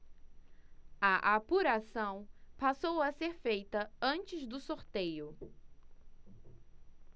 a apuração passou a ser feita antes do sorteio